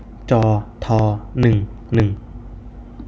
จอทอหนึ่งหนึ่ง